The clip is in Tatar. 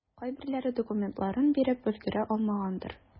Кайберләре документларын биреп өлгерә алмагандыр.